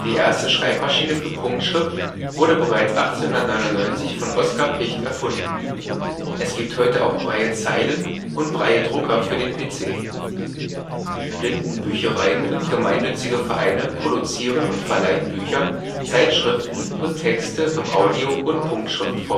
erste Schreibmaschine für Punktschrift wurde bereits 1899 von Oskar Picht erfunden. Es gibt heute auch Braillezeilen und Braille-Drucker für den PC. Blindenbüchereien und gemeinnützige Vereine produzieren und verleihen Bücher, Zeitschriften und Texte im Audio - und Punktschriftformat. Im